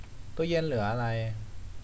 ตู้เย็นเหลืออะไร